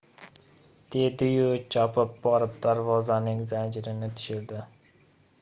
dedi yu chopib borib darvozaning zanjirini tushirdi